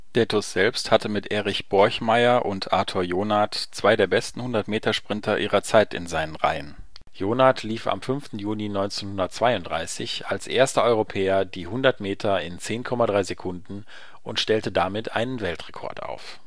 Der TuS selbst hatte mit Erich Borchmeyer und Arthur Jonath zwei der besten 100m-Sprinter ihrer Zeit in seinen Reihen. Jonath lief am 5. Juni 1932 als erster Europäer die 100m in 10,3 Sekunden und stellte damit einen Weltrekord auf